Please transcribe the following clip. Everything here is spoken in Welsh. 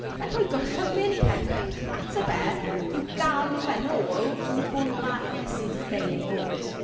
Ma'n rhoi gorchymyn i Pedr, ateb e yw galw fe'n ôl i bwy ma' Iesu 'di creu e i fod.